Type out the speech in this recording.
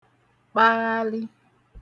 kpaghalị